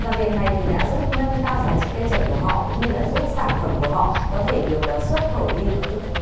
và việc này thì đã giúp nâng cao giá trị cây trồng của họ cũng như là giúp sản phẩm của họ có thể được xuất khẩu đi